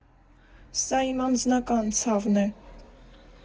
Սա իմ անձնական ցավն է։